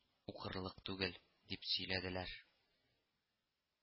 Укырлык түгел, дип сөйләделәр